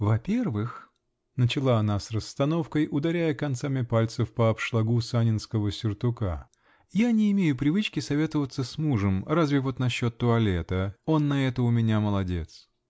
-- Во-первых, -- начала она с расстановкой, ударяя концами пальцев по обшлагу санинского сюртука, -- я не имею привычки советоваться с мужем, разве вот насчет туалета -- он на это у меня молодец